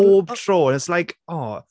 Pob tro and it's like "O!"